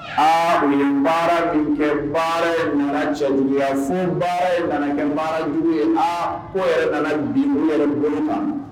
A u ye baara kun kɛ baara nana cɛ jugu sun baara nanakɛ baaraj a ko yɛrɛ nana bi n yɛrɛ bolo ma